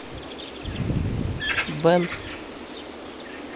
бен